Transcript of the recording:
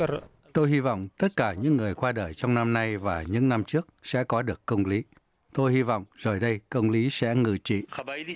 tôi hy vọng tất cả những người qua đời trong năm nay và những năm trước sẽ có được công lý tôi hy vọng rồi đây công lý sẽ ngự trị